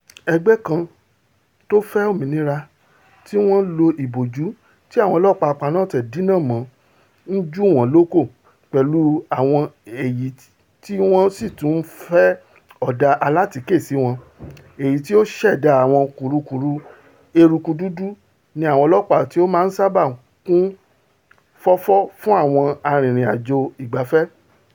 Ẹgbẹ́ kan ti àwọn tó fẹ́ omìnira tíwọn lo ìbòjú tí àwọn ọlọ́ọ̀pá apaná-ọ̀tẹ̀ dínà mọ́ ńju wọ́n lókò pẹ̀lú àwọn ẹyin ti wọn sì tún ńfẹ́ ọ̀dà aláàtíkè sí wọn, èyití ó ṣẹ̀dá àwọn kùrukùru eruku dúdú ní àwọn òpópónà tí ó máa ńsáábà kún fọ́fọ́ fún àwọn arìnrìn-àjò ìgbafẹ́.